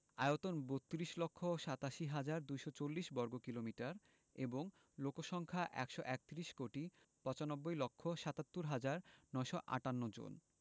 আয়তন ৩২ লক্ষ ৮৭ হাজার ২৪০ বর্গ কিমি এবং লোক সংখ্যা ১৩১ কোটি ৯৫ লক্ষ ৭৭ হাজার ৯৫৮ জন